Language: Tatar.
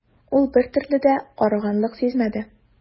Ул бертөрле дә арыганлык сизмәде.